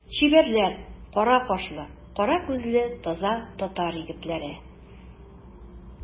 Чибәрләр, кара кашлы, кара күзле таза татар егетләре.